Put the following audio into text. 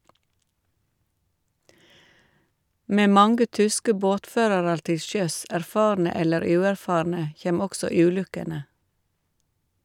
Med mange tyske båtførarar til sjøs, erfarne eller uerfarne, kjem også ulukkene.